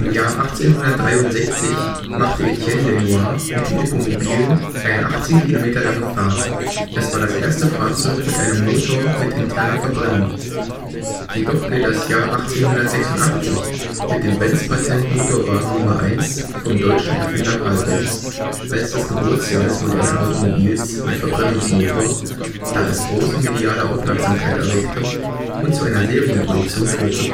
Jahr 1863 machte Étienne Lenoir mit dem Hippomobile eine 18 km lange Fahrt; es war das erste Fahrzeug mit einem Motor mit interner Verbrennung. Jedoch gilt das Jahr 1886 mit dem Benz Patent-Motorwagen Nummer 1 vom deutschen Erfinder Carl Benz als das Geburtsjahr des modernen Automobils mit Verbrennungsmotor, da es große mediale Aufmerksamkeit erregte und zu einer Serienproduktion führte